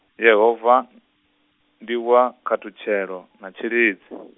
Yehova, n- ndi wa, khathutshelo, na tshilidzi .